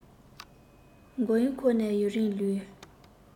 མགོ ཡུ འཁོར ནས ཡུན རིང ལུས